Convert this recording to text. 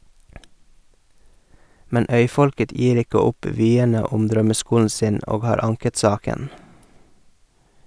Men øyfolket gir ikke opp vyene om drømmeskolen sin, og har anket saken.